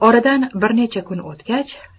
oradan bir necha kun o'tgach